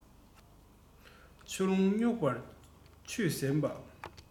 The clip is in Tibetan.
ཆུ ཀླུང རྙོག པས ཆུད གཟན པ